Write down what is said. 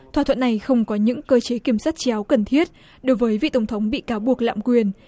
thỏa thuận này không có những cơ chế kiểm soát chéo cần thiết đối với vị tổng thống bị cáo buộc lạm quyền